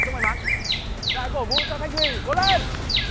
chúc may mắn chúng ta hay cổ vũ cho thanh thùy cố lên